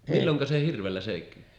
milloin se hirvellä se kiima